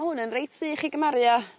ma' hwn yn reit sych i gymaru â